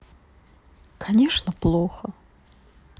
конечно плохо